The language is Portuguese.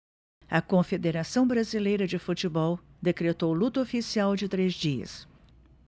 a confederação brasileira de futebol decretou luto oficial de três dias